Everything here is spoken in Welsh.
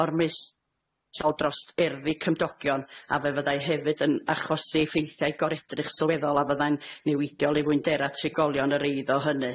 o'r meys- sol dros erddi cymdogion, a fe fyddai hefyd yn achosi effeithiau goredrych sylweddol a fyddai'n niweidiol i fwyndera trigolion yr eiddo hynny.